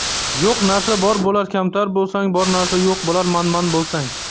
yo'q narsa bor bo'lar kamtar bo'lsang bor narsa yo'q bo'lar manman bo'lsang